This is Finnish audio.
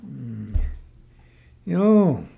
mm juu